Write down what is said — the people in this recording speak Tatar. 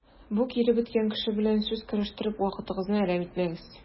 Бу киребеткән кеше белән сүз көрәштереп вакытыгызны әрәм итмәгез.